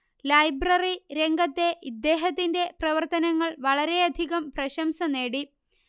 library രംഗത്തെ ഇദ്ദേഹത്തിന്റെ പ്രവർത്തനങ്ങൾ വളരെയധികം പ്രശംസ നേടി